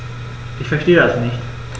Ich verstehe das nicht.